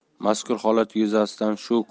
mazkur holat yuzasidan shu